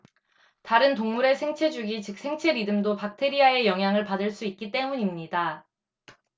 다른 동물의 생체 주기 즉 생체 리듬도 박테리아의 영향을 받을 수 있기 때문입니다